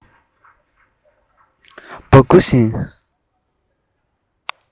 གསོན ཤུགས མི དགོས པའི